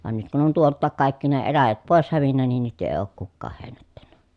vaan nyt kun on tuoltakin kaikki ne eläjät pois hävinnyt niin nyt ei ole kukaan heinättänyt